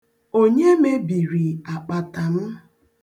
Onye mebiri akpata m?